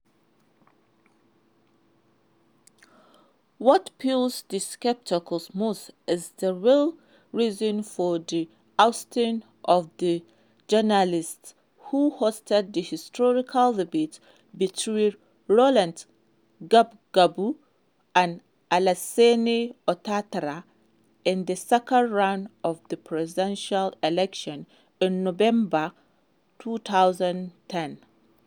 What fuels the skepticism most is the real reason for the ousting of the journalist who hosted the historic debate between Laurent Gbagbo and Alassane Ouattara in the second round of the presidential elections in November 2010.